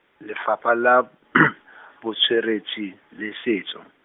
Lefapha la , Botsweretshi le Setso.